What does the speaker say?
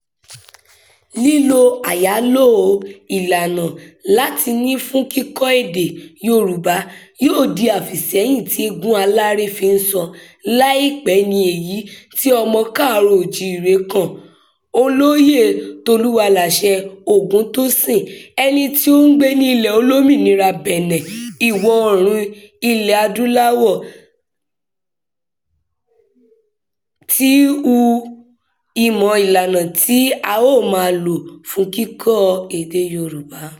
Lílo àyálò ìlànà Látíìnì fún kíkọ èdè Yorùbá yóò di àfìsẹ́yìn tí eégún aláré ń fiṣọ láì pẹ́ ní èyí tí ọmọ Káàárọ̀-o-ò-jí-ire kan, Olóyè Tolúlàṣẹ Ògúntósìn, ẹni tí ó ń gbé ní Ilẹ̀ Olómìnira Bẹ̀nẹ̀, Ìwọ̀-oòrùn Ilẹ̀-Adúláwọ̀, ti hu ìmọ̀ ìlànà tí a ó máa lò fún kíkọ èdè Yorùbá.